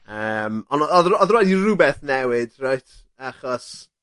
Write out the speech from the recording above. Yym ond o- odd r- odd raid i rwbeth newid reit, achos